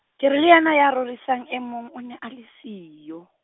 ke re le yena ya rorisang e mong o ne a le siyo.